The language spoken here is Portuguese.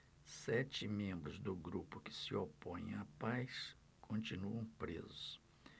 sete membros do grupo que se opõe à paz continuam presos